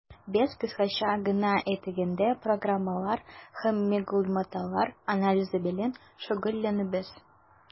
Без, кыскача гына әйткәндә, программалар һәм мәгълүматлар анализы белән шөгыльләнәбез.